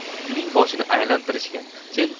uning boshini aylantirishgan